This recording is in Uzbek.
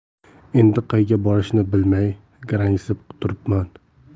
endi qayga borishni bilmay garangsib turibman